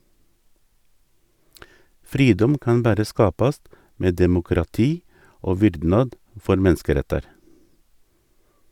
Fridom kan berre skapast med demokrati og vyrdnad for menneskerettar.